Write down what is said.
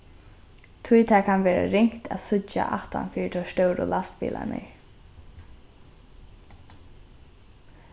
tí tað kann vera ringt at síggja aftan fyri teir stóru lastbilarnir